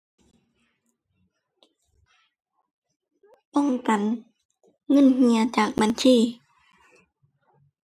ป้องกันเงินเหี่ยจากบัญชี